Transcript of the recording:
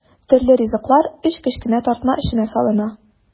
Төрле ризыклар өч кечкенә тартма эченә салына.